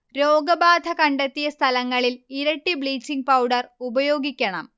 രോഗബാധ കണ്ടെത്തിയ സ്ഥലങ്ങളിൽ ഇരട്ടി ബ്ലീച്ചിങ് പൗഡർ ഉപയോഗിക്കണം